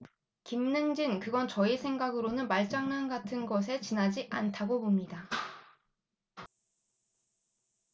김능진 그건 저희 생각으로는 말장난 같은 것에 지나지 않다고 봅니다